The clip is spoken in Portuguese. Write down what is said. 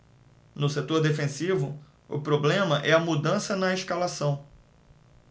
no setor defensivo o problema é a mudança na escalação